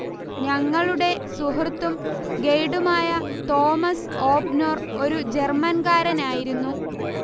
ഞങ്ങളുടെ സുഹൃത്തും ഗൈഡുമായ തോമസ് ഓബ്നോർ ഒരു ജർമൻകാരനായിരുന്നു